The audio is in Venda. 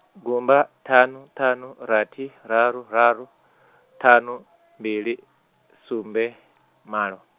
gumba ṱhanu ṱhanu rathi raru raru, ṱhanu, mbili, sumbe, malo.